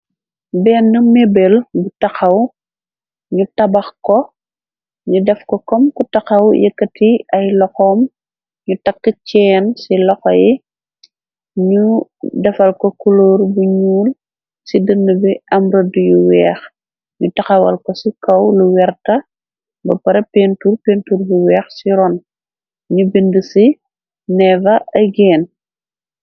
Benn mebel bu taxaw ñu tabax ko ni def ko kom ku taxaw yëkkat yi ay loxoom ñu takk ceen ci loxo yi ñu defal ko kuloor bu ñuul ci dën bi amrëd yu weex ñu taxawal ko ci kaw lu werta ba para pentur pentur bu weex ci ron ñu bind ci neeva egeen.